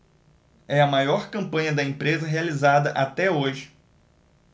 é a maior campanha da empresa realizada até hoje